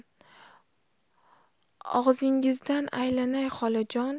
og'zingizdan aylanay xolajon